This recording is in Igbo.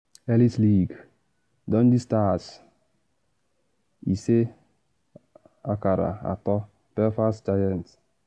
Elite League: Dundee Stars 5-3 Belfast Giants